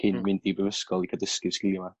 Cyn mynd i brifysgol i ga' dysgu sgilia 'ma